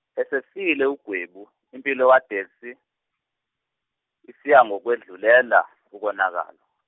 esefile uGwebu impilo kaDelsie isiyangokwedlulela ukonakala.